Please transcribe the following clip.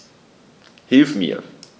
Hilf mir!